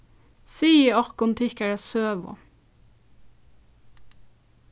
sigið okkum tykkara søgu